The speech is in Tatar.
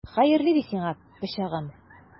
Хәерле ди сиңа, пычагым!